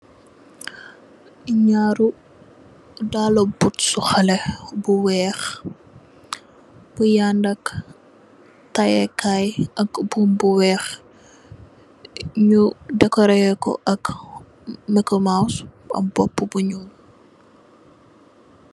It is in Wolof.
Nyari dale boot si hele yu weyh bu ànda kaiye ak bum bu weyh nu decorat ko ak micky mouse buam bupu bu nglu.